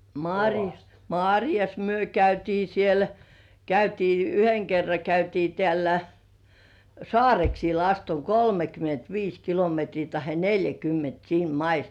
marjassa marjassa me käytiin siellä käytiin yhden kerran käytiin täällä Saareksilla asti on kolmekymmentä viisi kilometriä tai neljäkymmentä siinä maissa